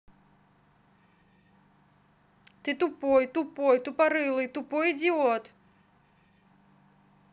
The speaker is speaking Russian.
ты тупой тупой тупорый тупой идиот